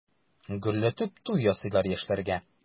Гөрләтеп туй ясыйлар яшьләргә.